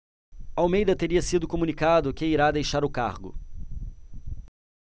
almeida teria sido comunicado que irá deixar o cargo